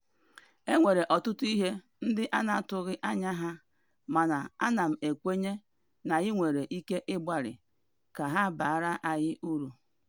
E nwere ọtụtụ ihe ndị a na-atụghị anya ha, mana ana m ekwenye na anyị nwere ike ịgbalị, ka ha baara anyị uru.